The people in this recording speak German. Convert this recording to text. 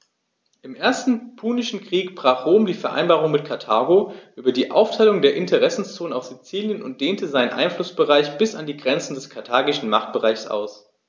Im Ersten Punischen Krieg brach Rom die Vereinbarung mit Karthago über die Aufteilung der Interessenzonen auf Sizilien und dehnte seinen Einflussbereich bis an die Grenze des karthagischen Machtbereichs aus.